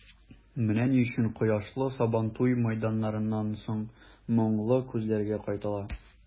Менә ни өчен кояшлы Сабантуй мәйданнарыннан соң моңлы күзләргә кайтыла.